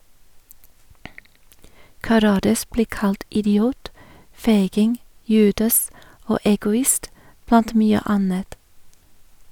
Karadas blir kalt idiot, feiging, judas og egoist - blant mye annet.